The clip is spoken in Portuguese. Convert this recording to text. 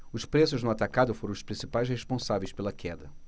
os preços no atacado foram os principais responsáveis pela queda